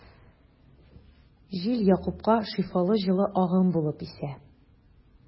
Җил Якупка шифалы җылы агым булып исә.